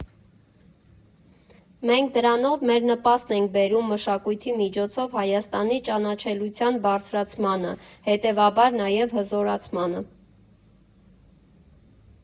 Մենք դրանով մեր նպաստն ենք բերում մշակույթի միջոցով Հայաստանի ճանաչելիության բարձրացմանը, հետևաբար նաև հզորացմանը։